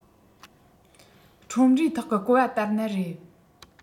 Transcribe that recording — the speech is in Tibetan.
ཁྲོམ རའི ཐོག གི གོ བ ལྟར ན རེད